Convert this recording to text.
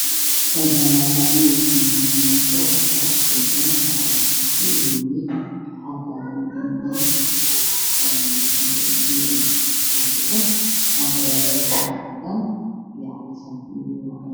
Meeshaan waa laami waxaa maraayo mooto bajaaj mootavekoon ee nagno way joogtaa oo jaakad qabto oo taraafika ah